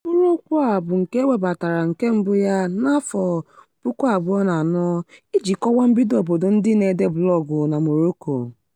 Mkpụrụ okwu a bụ nke e webatara nke mbụ ya na 2004 iji kọwaa mbido obodo ndị na-ede blọọgụ na Morocco.